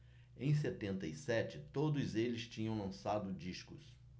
em setenta e sete todos eles tinham lançado discos